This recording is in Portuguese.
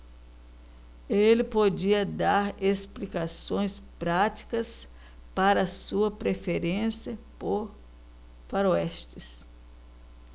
ele podia dar explicações práticas para sua preferência por faroestes